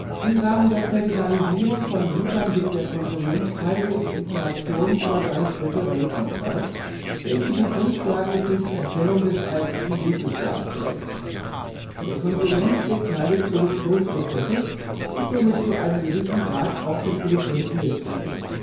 Im Rahmen der Personalisierung von Gütern gibt der Konsument (freiwillig) Informationen über seine Präferenzen preis, welche die Grundlage für die Erstellung des eigentlichen Gutes darstellen. Der Konsument wird Teil des Produktionsprozesses und somit zu einem gewissen Grad auch zum Produzenten des Gutes